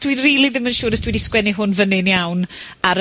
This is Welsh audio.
...dwi rili ddim yn siŵr os dwi 'di-sgwennu hwn fyny'n iawn, ar y...